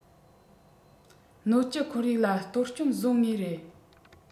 སྣོད བཅུད ཁོར ཡུག ལ གཏོར སྐྱོན བཟོ ངེས རེད